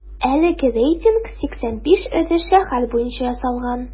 Әлеге рейтинг 85 эре шәһәр буенча ясалган.